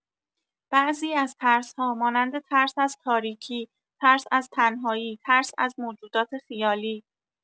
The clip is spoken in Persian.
بعضی از ترس‌ها، مانند ترس از تاریکی، ترس از تنهایی، ترس از موجودات خیالی